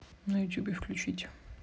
на ютубе включить